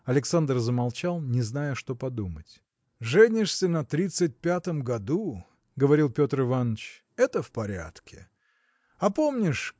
Александр замолчал, не зная, что подумать. – Женишься на тридцать пятом году – говорил Петр Иваныч – это в порядке. А помнишь